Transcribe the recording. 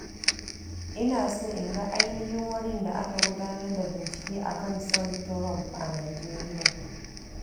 Ina so in ga ainihin wurin da aka gudanar da bincike a kan son Trump a Nijeriya.